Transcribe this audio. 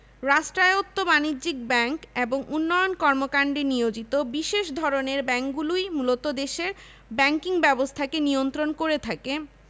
চামড়া ও চামড়াজাত পণ্য সিমেন্ট চিনি মাছ প্রক্রিয়াজাতকরণ ঔষধ ও রাসায়নিক দ্রব্য ইত্যাদি রপ্তানি প্রক্রিয়াকরণ এলাকা